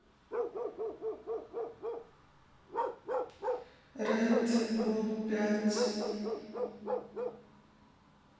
рэд бол пять